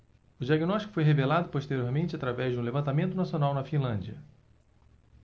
o diagnóstico foi revelado posteriormente através de um levantamento nacional na finlândia